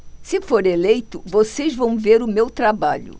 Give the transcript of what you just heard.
se for eleito vocês vão ver o meu trabalho